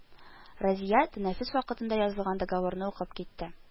Разия тәнәфес вакытында язылган договорны укып китте: